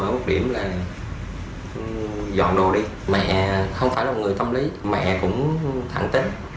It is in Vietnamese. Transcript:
bởi một điểm là dọn đồ đi mẹ không phải là một người tâm lý mẹ cũng thẳng tính